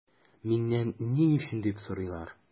Миннән “ни өчен” дип сорыйлар.